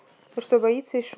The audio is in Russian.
вы что боится из шуток